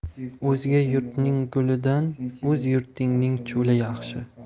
o'zga yurtning gulidan o'z yurtingning cho'li yaxshi